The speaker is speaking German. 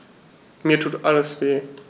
Mir tut alles weh.